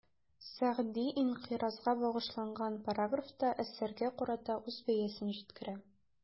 Сәгъди «инкыйраз»га багышланган параграфта, әсәргә карата үз бәясен җиткерә.